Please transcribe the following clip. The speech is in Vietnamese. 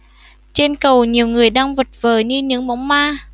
trên cầu nhiều người đang vật vờ như những bóng ma